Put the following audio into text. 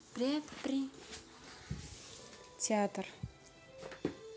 театр